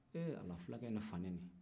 eee ala fulakɛ ye ne fa nɛni